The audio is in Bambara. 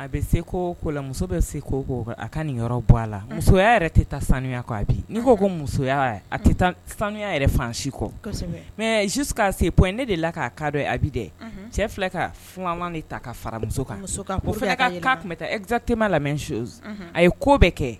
A bɛ se ko ko la muso bɛ se ko ko a ka nin yɔrɔ bɔ a la musoya yɛrɛ tɛ taa sanuya a n'i ko ko musoya a tɛ sanuya fansi kɔ mɛ ji' se ne de la k'a kadɔ a bi dɛ cɛ fila ka fma de ta ka faramuso kan kun bɛ taa ɛzsatema lamɛn su a ye ko bɛɛ kɛ